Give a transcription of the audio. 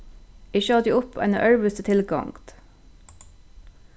eg skjóti upp eina øðrvísi tilgongd